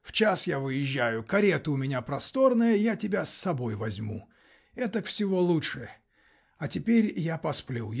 В час я выезжаю, карета у меня просторная -- я тебя с собой возьму. Этак всего лучше. А теперь я посплю.